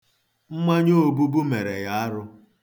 Mmanya obubu mere ya arụ.